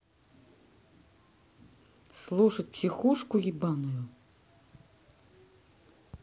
слушать психушку ебаную